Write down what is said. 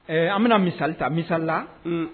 Ɛɛ an bɛna misali ta misala